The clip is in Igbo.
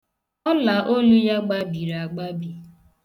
Ọlaolu ya gbabiri agbabi.